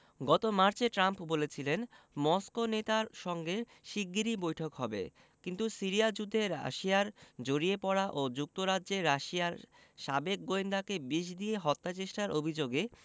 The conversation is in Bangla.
গত মার্চে ট্রাম্প বলেছিলেন মস্কো নেতার সঙ্গে শিগগিরই বৈঠক হবে কিন্তু সিরিয়া যুদ্ধে রাশিয়ার জড়িয়ে পড়া ও যুক্তরাজ্যে রাশিয়ার সাবেক গোয়েন্দাকে বিষ দিয়ে হত্যাচেষ্টার অভিযোগে